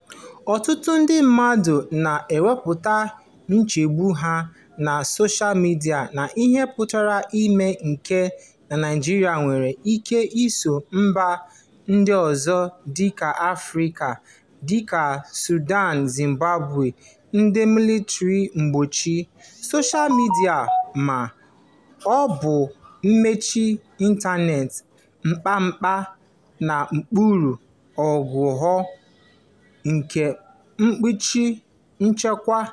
Ọtụtụ ndị mmadụ na-ekwupụta nchegbu ha na soshaa midịa n'ihe pụrụ ime nke na Naịjirịa nwere ike iso mba ndị ọzọ dị n'Afịrịka [dịka Sudan, Zimbabwe] ndị malitere igbochi soshaa midịa ma ọ bụ mechie ịntaneetị kpamkpam n'okpuru aghụghọ nke mkpuchi nchekwa.